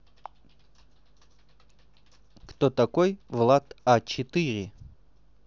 кто такой влад а четыре